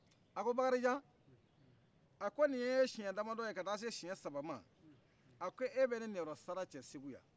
a ko bakarijan a ko ni ye e siyɛn damadɔ ye ka taa se siyɛn saba ma a ko e bɛ ne ninyɔrɔsara cɛ segu yan